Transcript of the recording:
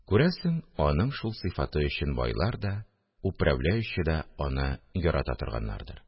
Күрәсең, аның шул сыйфаты өчен байлар да, управляющий да аны ярата торганнардыр